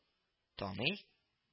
Таный